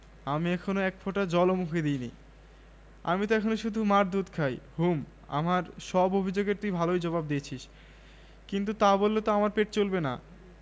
singer fridge freezer ক্রয়ে পাওয়া যাবে ১৫ ০০০ টাকা পর্যন্ত ডিসকাউন্ট সঙ্গে ফ্রিজ বা ফ্রিজার ক্রেতাদের জন্য থাকছে